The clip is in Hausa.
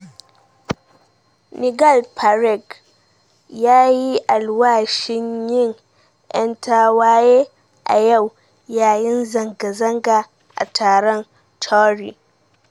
Nigel Farage ya yi alwashin yin 'yan tawaye a yau yayin zanga-zanga a taron Tory.